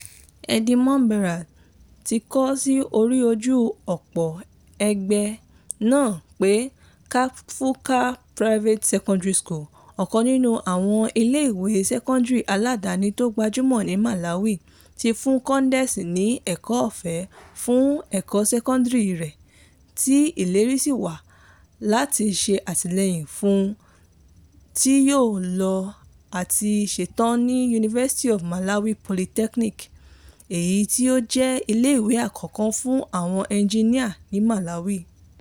Eddie Mombera ti kọọ́ sí orí ojú òpó ẹgbẹ́ náà pé Kaphuka Private Secondary School, ọkàn nínú àwọn iléèwé sẹ́kọ́ndírì aládáni tó gbajúmọ̀ ní Malawi, ti fún Kondesi ní "ẹ̀kọ́ ọ̀fẹ́ fún ẹ̀kọ́ sẹ́kọ́ndírì rẹ̀" tí ìlérí sì tún wà láti ṣe àtìlẹyìn fún tí yóò fi lọ àti setán ní University of Malawi's Polytechnic, èyí tó jẹ́ iléèwé àkọ́kọ́ fún àwọn ẹnjiníà ní Malawi.